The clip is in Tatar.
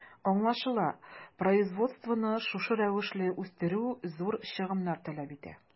Аңлашыла, производствоны шушы рәвешле үстерү зур чыгымнар таләп итә.